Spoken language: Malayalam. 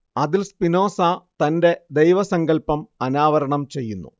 അതിൽ സ്പിനോസ തന്റെ ദൈവസങ്കല്പം അനാവരണം ചെയ്യുന്നു